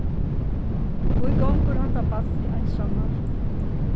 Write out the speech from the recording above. hví gongur hatta barnið einsamalt